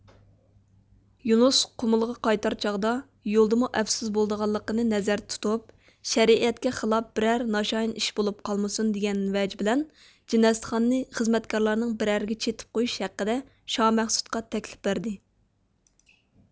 يۇنۇس قۇمۇلغا قايتار چاغدا يولدىمۇ ئەپسىز بولىدىغانلىقىنى نەزەردە تۇتۇپ شەرىئەتكە خىلاپ بىرەر ناشايان ئىش بولۇپ قالمىسۇن دېگەن ۋەج بىلەن جىنەستىخاننى خىزمەتكارلارنىڭ بىرەرىگە چېتىپ قويۇش ھەققىدە شامەخسۇتقا تەكلىپ بەردى